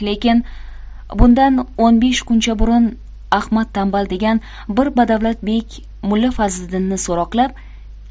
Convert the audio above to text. lekin bundan o'n besh kuncha burun ahmad tanbal degan bir badavlat bek mulla fazliddinni so'roqlab